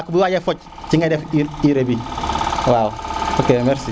ak buy waja foc ci gey def urée bi waaw ok merci